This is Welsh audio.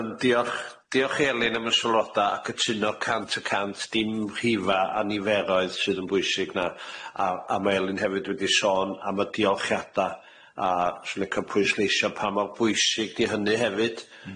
Ie yy yym diolch diolch i Elin am y sylwada a cytuno cant y cant dim rhifa a niferoedd sydd yn bwysig na a a ma' Elin hefyd wedi sôn am y diolchiada a sy'n lico pwysleisio pa mor bwysig di hynny hefyd. Hmm